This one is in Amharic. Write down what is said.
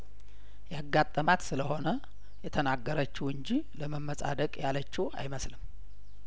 ያጋጠማት ስለሆነ የተናገረችው እንጂ ለመ መጻደቅ ያለችው አይመስልም